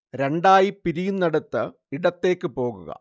രണ്ടായി പിരിയുന്നയിടത്ത് ഇടത്തേക്ക് പോകുക